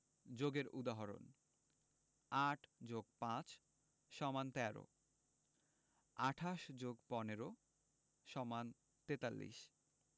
যোগের উদাহরণঃ ৮ + ৫ = ১৩ ২৮ + ১৫ = ৪৩